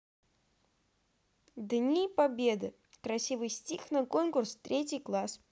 дни победы красивый стих на конкурс третий класс